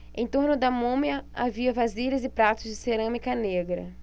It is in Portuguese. em torno da múmia havia vasilhas e pratos de cerâmica negra